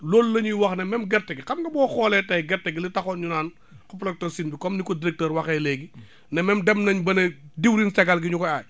loolu la ñuy wax ne même gerte gi xam nga boo xoolee tey gerte gi li taxoon énu naan apalatoxine bi comme ni ko directeur bi waxee léegi ne même dem nañ ba ne diwlin segal gi ñu koy aaye